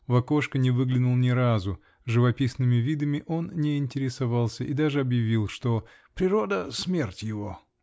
в окошко не выглянул ни разу: живописными видами он не интересовался и даже объявил, что "природа -- смерть его!".